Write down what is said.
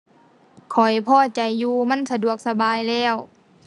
ข้อยพอใจอยู่ มันสะดวกสบายแล้ว